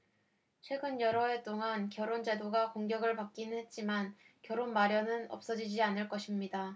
최근 여러 해 동안 결혼 제도가 공격을 받기는 했지만 결혼 마련은 없어지지 않을 것입니다